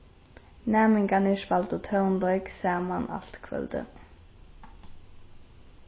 næmingarnir spældu tónleik saman alt kvøldið